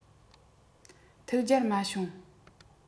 ཐུགས རྒྱལ མ བྱུང